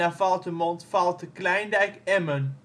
Valthermond-Valthe-Klijndijk-Emmen